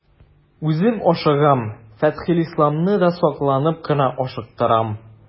Үзем ашыгам, Фәтхелисламны да сакланып кына ашыктырам.